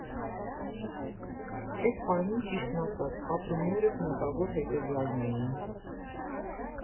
Էդ պահին, ճիշտն ասած, ապրումներս մոտավոր հետևյալն էին.